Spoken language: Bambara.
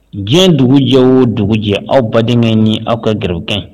Diɲɛ dugujɛ o dugujɛ aw baden ye aw ka garikɛ